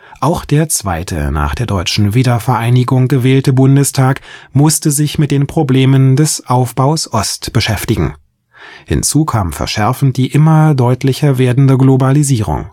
Auch der zweite nach der Deutschen Wiedervereinigung gewählte Bundestag musste sich mit den Problemen des Aufbaus Ost beschäftigen. Hinzu kam verschärfend die immer deutlicher werdende Globalisierung